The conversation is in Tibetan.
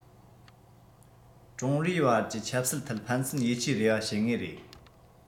ཀྲུང རིའི དབར གྱི ཆབ སྲིད ཐད ཕན ཚུན ཡིད ཆེས རེ བ བྱེད ངེས རེད